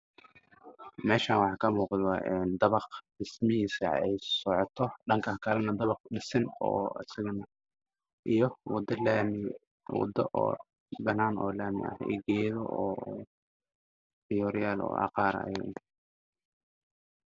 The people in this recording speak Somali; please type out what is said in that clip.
MEESHAAN WAXAA KA MUUQDO DABAQ AY DHISMIHIISA SOCOTO DHANKAAN KALANE DABAQ DHISAN OO ISAGANA IYO WADO BANAAN OO LAAMI AH IYO GEEDO